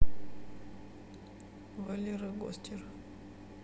валера гостер